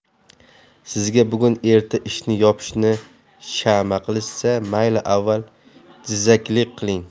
sizga bugun erta ishni yopishni shama qilishsa mayli avval jizzakilik qiling